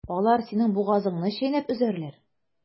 Алар синең бугазыңны чәйнәп өзәрләр.